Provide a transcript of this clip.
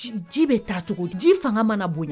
Ji bɛ taacogo ji fanga mana bonya